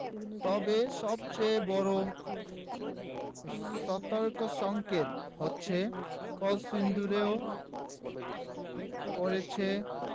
তবে সবচেয়ে বড় সতর্কসংকেত হচ্ছে কলসিন্দুরেও পড়েছে